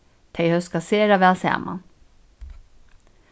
tey hóska sera væl saman